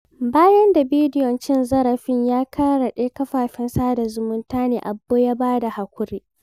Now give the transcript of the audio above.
Bayan da bidiyon cin zarafin ya karaɗe kafafen sada zumunta ne, Abbo ya ba da haƙuri.